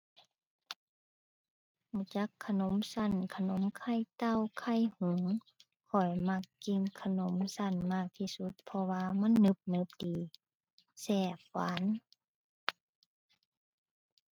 รู้จัก ขนมรู้ ขนมไข่เต่าไข่หงส์ ข้อยมักกินขนมรู้มากที่สุด เพราะว่ามันหนึบหนึบดีแซ่บหวาน